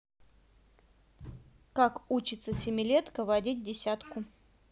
как учится семилетка водить десятку